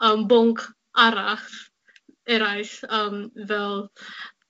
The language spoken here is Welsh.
am bwnc arall, eraill yym fel